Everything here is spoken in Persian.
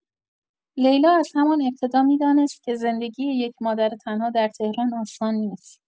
لیلا از همان ابتدا می‌دانست که زندگی یک مادر تنها در تهران آسان نیست.